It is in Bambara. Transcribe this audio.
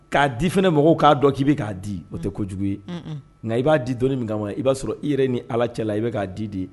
K'a di fana mɔgɔw k'a dɔn k'i bɛ k'a di o tɛ kojugu ye, unun, nka i b'a di donin min kama i b'a sɔrɔ i yɛrɛ ni Ala cɛ la i bɛ k'a di ye